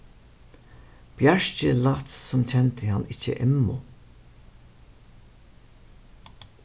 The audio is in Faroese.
bjarki lætst sum kendi hann ikki emmu